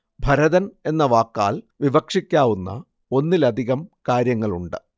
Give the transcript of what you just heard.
ഭരതന്‍ എന്ന വാക്കാല്‍ വിവക്ഷിക്കാവുന്ന ഒന്നിലധികം കാര്യങ്ങളുണ്ട്